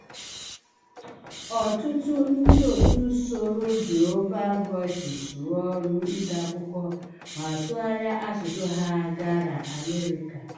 Ọtụtụ ndị òtù soro Global Voices rụọ ọrụ ide akụkọ ma tụgharịa asụsụ ha gaa na Amhariiki.